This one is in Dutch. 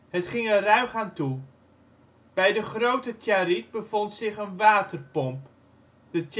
Het ging er ruig aan toe. Bij de Groote Tjariet bevond zich een waterpomp, de Tjapomp